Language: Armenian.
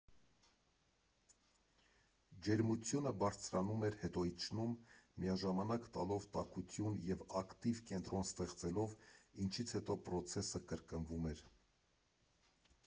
Ջերմությունը բարձրանում էր, հետո իջնում՝ միաժամանակ տալով տաքություն և ակտիվ կենտրոն ստեղծելով, ինչից հետո պրոցեսը կրկնվում էր։